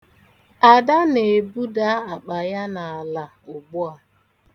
Ada na-ebuda akpa ya n'ala ugbu a.